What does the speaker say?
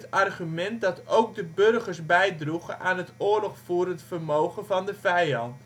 argument dat ook de burgers bijdroegen aan het oorlogvoerend vermogen van de vijand